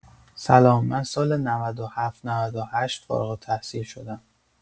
سلام من سال ۹۷ - ۹۸ فارغ‌التحصیل شدم.